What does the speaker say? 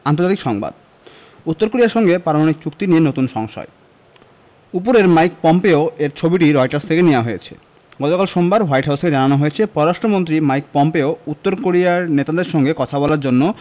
আন্তর্জাতিক সংবাদ উত্তর কোরিয়ার সঙ্গে পারমাণবিক চুক্তি নিয়ে নতুন সংশয় উপরের মাইক পম্পেও এর ছবিটি রয়টার্স থেকে নেয়া হয়েছে গতকাল সোমবার হোয়াইট হাউস থেকে জানানো হয়েছে পররাষ্ট্রমন্ত্রী মাইক পম্পেও উত্তর কোরিয়ার নেতাদের সঙ্গে কথা বলার জন্য